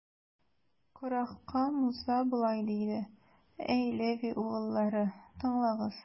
Корахка Муса болай диде: Әй Леви угыллары, тыңлагыз!